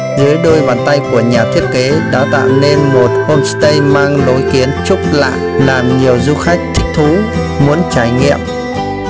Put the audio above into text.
dưới đôi bàn tay của nhà thiết kế đã tạo nên một homestay mang lối kiến trúc lạ làm nhiều du khách thích thú muốn trải nghiệm